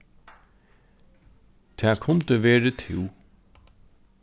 tað kundi verið tú